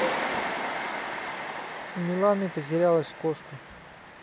у миланы потерялась кошка